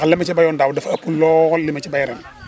ndax la ma ca béyoon daaw dafa ëpp lool li ma ci béy ren